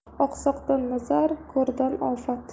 oqsoqdan hazar ko'rdan ofat